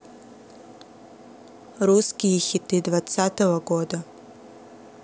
русские хиты двадцатого года